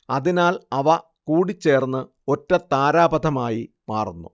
അതിനാൽ അവ കൂടിച്ചേർന്ന് ഒറ്റ താരാപഥമായി മാറുന്നു